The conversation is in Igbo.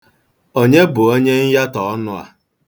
Onye bụ onye myatọ ọnụ a?